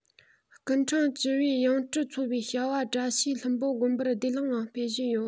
སྐུ ཕྲེང བཅུ བའི ཡང སྤྲུལ འཚོལ བའི བྱ བ བཀྲ ཤིས ལྷུན པོ དགོན པར བདེ བླག ངང སྤེལ བཞིན ཡོད